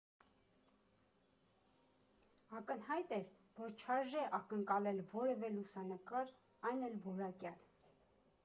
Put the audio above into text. Ակնհայտ էր, որ չարժե ակնկալել որևէ լուսանկար, այն էլ՝ որակյալ։